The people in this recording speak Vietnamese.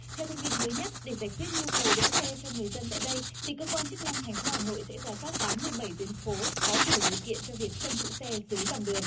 theo thông tin mới nhất để giải quyết nhu cầu đỗ xe cho người dân tại đây thì cơ quan chức năng thành phố hà nội sẽ rà soát tám mươi bảy tuyến phố có đủ điều kiện cho việc trông giữ xe dưới lòng đường